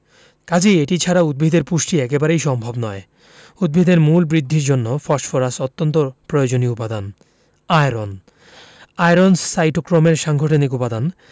কাজেই এটি ছাড়া উদ্ভিদের পুষ্টি একেবারেই সম্ভব নয় উদ্ভিদের মূল বৃদ্ধির জন্য ফসফরাস অত্যন্ত প্রয়োজনীয় উপাদান আয়রন আয়রন সাইটোক্রোমের সাংগঠনিক উপাদান